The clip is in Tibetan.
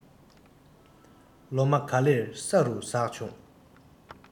ལོ མ ག ལེར ས རུ ཟགས བྱུང